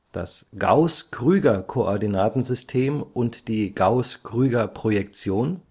das Gauß-Krüger-Koordinatensystem und die Gauß-Krüger-Projektion